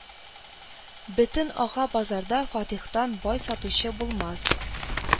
Бөтен Ага-базарда Фатихтан бай сатучы булмас